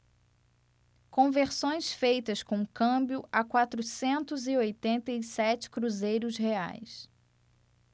conversões feitas com câmbio a quatrocentos e oitenta e sete cruzeiros reais